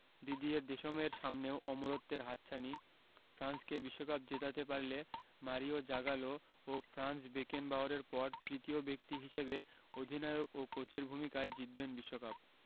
Didier দেশমের সামনেও অমরত্বের হাতছানি ফ্রান্সকে বিশ্বকাপ জেতাতে পারলে মারিও জাগালো ও ফ্রাঞ্জ বেকেনবাওয়ারের পর তৃতীয় ব্যক্তি হিসেবে অধিনায়ক ও কোচের ভূমিকায় জিতবেন বিশ্বকাপ